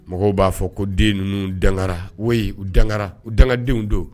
Mɔgɔw b'a fɔ ko den ninnu dangara oui u dagara, ko dangadenw don.